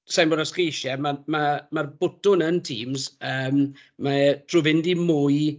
Sa i'n gwybod os chi isie ma' ma' ma'r botwn yn Teams yy mae e drwy fynd i mwy